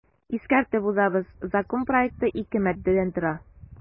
Искәртеп узабыз, закон проекты ике маддәдән тора.